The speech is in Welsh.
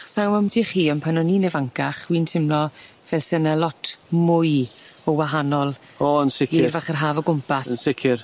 Sai'm w'o ambyti chi on' pan o'n i'n ifancach wi'n timlo fel se 'ne lot mwy o wahanol. O yn sicir. Ieir fach yr haf o gwmpas. Yn sicir.